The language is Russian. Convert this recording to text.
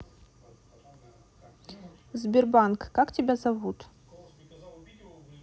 сбербанк как тебя зовут